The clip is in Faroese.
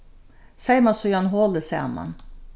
seyma síðan holið saman